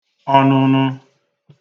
ọnụnụ